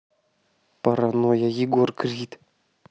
паранойя егор крид